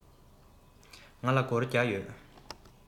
ང ལ སྒོར བརྒྱད ཡོད